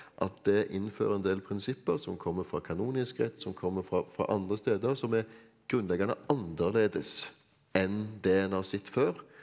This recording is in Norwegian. at det innfører en del prinsipper som kommer fra kanonisk rett, som kommer fra fra andre steder som er grunnleggende annerledes enn det en har sett før,